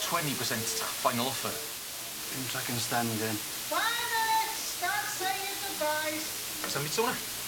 Tweny percent ta? Final offer. Dim dragon's den'di 'yn. Five minutes start saying your goodbyes! Ti am bita wnna?